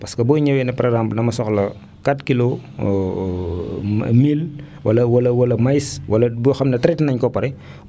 parce que boo ñëwee ne par exemple damaa soxla 4 kilos ma mil wala wala wala maïs wala boo xam ne traité nañu ko ba pare